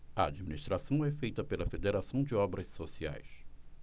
a administração é feita pela fos federação de obras sociais